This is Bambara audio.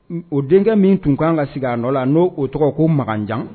Un o denkɛ min tun kaan ka sig'a nɔ la n'o o tɔgɔ ko Makanjan